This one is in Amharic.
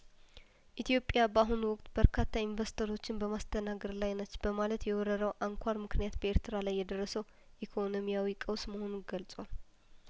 ኢትዮጵያ በአሁኑ ወቅት በርካታ ኢንቨስተሮችን በማስተናገድ ላይ ነች በማለት የወረራው አንኳር ምክንያት በኤርትራ ላይ የደረስ ኢኮኖሚያዊ ቀውስ መሆኑን ገልጿል